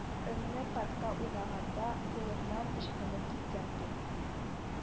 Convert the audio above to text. Өнне паркта уйнаганда, кулыннан ычкынып киткән туп